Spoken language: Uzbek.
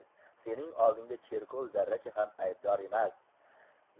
sening oldingda cherkov zarracha ham aybdor emas